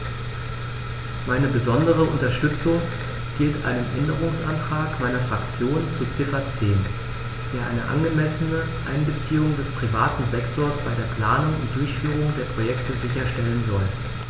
Meine besondere Unterstützung gilt einem Änderungsantrag meiner Fraktion zu Ziffer 10, der eine angemessene Einbeziehung des privaten Sektors bei der Planung und Durchführung der Projekte sicherstellen soll.